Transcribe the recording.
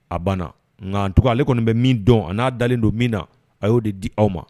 A banna nka en tout cas ale kɔni bɛ min dɔn a n'a dalen don min na a y'o de di aw ma.